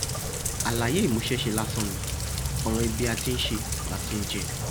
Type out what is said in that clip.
Àlàyé ìmúṣẹ́ṣe lásán ni, ọ̀ràn ibi-a-ti-ń-ṣe-la-ti-ń-jẹ.